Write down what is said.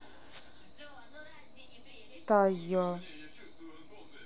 тайо